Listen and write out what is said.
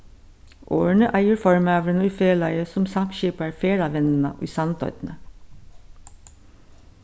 orðini eigur formaðurin í felagi sum samskipar ferðavinnuna í sandoynni